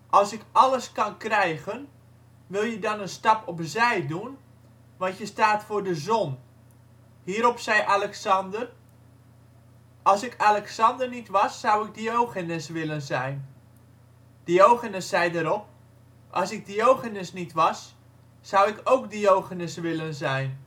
Als ik alles kan krijgen, wil je dan een stap opzij doen, want je staat voor de zon ". Hierop zei Alexander: " Als ik Alexander niet was, zou ik Diogenes willen zijn ". Diogenes zei daarop: " Als ik Diogenes niet was, zou ik ook Diogenes willen zijn